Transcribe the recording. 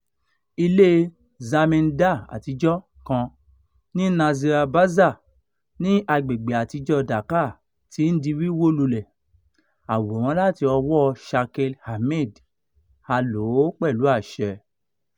Ilée Zamindar àtijọ́ kan ní Nazira Bazar ní agbègbèe Àtijọ́ọ Dhaka ti ń di wíwó lulẹ̀. Àwòrán láti ọwọ́ọ Shakil Ahmed. A lò ó pẹlú àṣẹ.